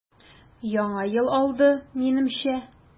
Яңа ел алды, минемчә.